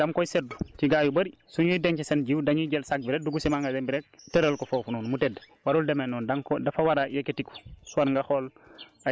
waaye saak yi tamit saak yi waroo koo waroo ko teg si suuf loolu tamit dama koy seetlu si gaa yu bëri suñuy denc seen jiw dañuy jël sak bi rek dugg si magasin bi rek tërël ko foofu noonu mu tëdd